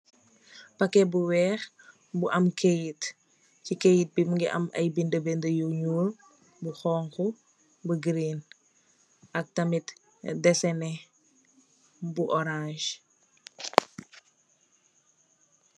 Packet bu weex bu am keyt si keyt bi mongi am ay binda binda yu nuul yu xonxu bu green ak tamit desenex bu orance.